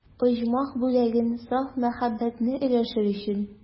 Оҗмах бүләген, саф мәхәббәтне өләшер өчен.